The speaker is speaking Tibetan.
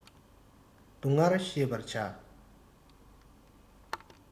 སྡུག བསྔལ ཤེས པར བྱ